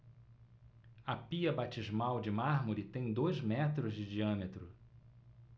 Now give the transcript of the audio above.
a pia batismal de mármore tem dois metros de diâmetro